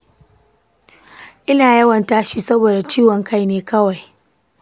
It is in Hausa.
ina yawan tashi saboda ciwon kai ne kawai